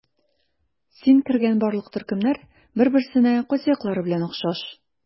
Син кергән барлык төркемнәр бер-берсенә кайсы яклары белән охшаш?